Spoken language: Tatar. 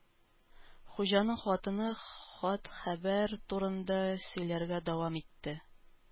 Хуҗаның хатыны хат-хәбәр турында сөйләргә дәвам итте